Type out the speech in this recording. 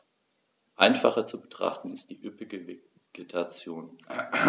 Einfacher zu betrachten ist die üppige Vegetation.